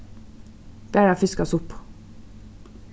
bara fiskasuppu